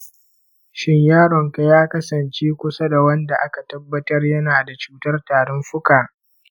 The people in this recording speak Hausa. shin yaronka ya kasance kusa da wani wanda aka tabbatar yana da cutar tarin fuka?